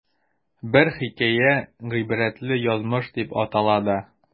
Бер хикәя "Гыйбрәтле язмыш" дип атала да.